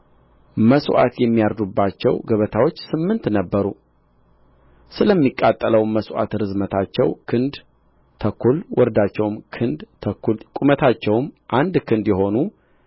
መሥዋዕት የሚያርዱባቸው ገበታዎች ስምንት ነበሩ ስለሚቃጠለውም መሥዋዕት ርዝመታቸው ክንድ ተኩል ወርዳቸውም ክንድ ተኩል ቁመታቸውም አንድ ክንድ የሆኑ